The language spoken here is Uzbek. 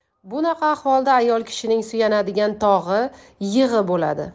bunaqa ahvolda ayol kishining suyanadigan tog'i yig'i bo'ladi